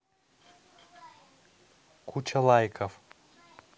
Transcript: куча лайков